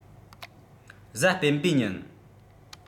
གཟའ སྤེན པའི ཉིན